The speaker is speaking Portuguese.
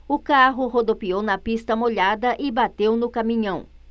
o carro rodopiou na pista molhada e bateu no caminhão